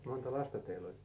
monta lasta teillä oli